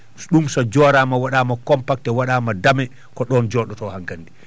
so ɗum so jooraama waɗaama compacter waɗaama dame ko ɗon jooɗotoo hankadi